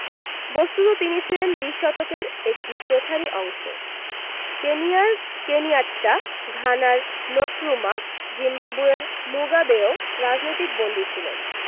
বস্তুত তিনি ছিলেন বিশ শতকের একটি প্রথারই অংশ কেনিয়ার কেনিয়াট্টা ঘানার নক্রুমা জিম্বাবুয়ের মুগাবেও রাজনৈতিক বন্দী ছিলেন